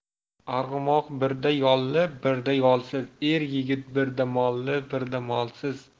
arg'umoq birda yolli birda yolsiz er yigit birda molli birda molsiz